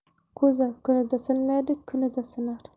ko'za kunda sinmaydi kunida sinar